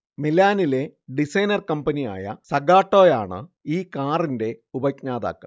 മിലാനിലെ designer കമ്പനിയായ സഗാട്ടോയാണ് ഈ കാറിന്റെ ഉപജ്ഞാതാക്കൾ